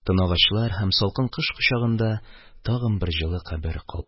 Тын агачлар һәм салкын кыш кочагында тагын бер җылы кабер калды..